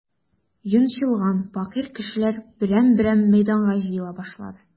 Йончылган, фәкыйрь кешеләр берәм-берәм мәйданга җыела башлады.